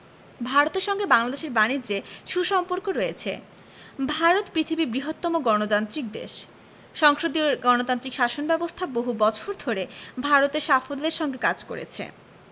ভারতের সঙ্গে বাংলাদেশের বানিজ্যে সু সম্পর্ক রয়েছে ভারত পৃথিবীর বৃহত্তম গণতান্ত্রিক দেশ সংসদীয় গণতান্ত্রিক শাসন ব্যাবস্থা বহু বছর ধরে ভারতে সাফল্যের সঙ্গে কাজ করেছে